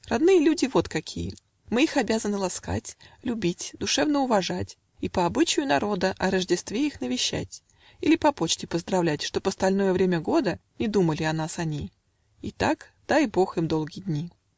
Родные люди вот какие: Мы их обязаны ласкать, Любить, душевно уважать И, по обычаю народа, О рождестве их навещать Или по почте поздравлять, Чтоб остальное время года Не думали о нас они. Итак, дай бог им долги дни!